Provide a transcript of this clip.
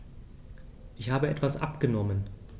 Ich habe etwas abgenommen.